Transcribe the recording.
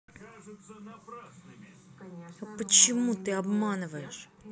а почему ты обманываешь